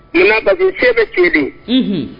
Mun na parceque se bɛ cɛ de ye. Unhun